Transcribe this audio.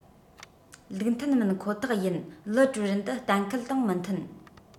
ལུགས མཐུན མིན ཁོ ཐག ཡིན ལི ཀྲུའུ རེན འདི གཏན འཁེལ དང མི མཐུན